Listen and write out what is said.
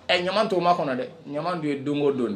Ɛ ɲaman ton n b'a kɔnɔ dɛ ɲaman dun ye don o don ye